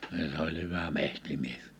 niin se oli hyvä metsämies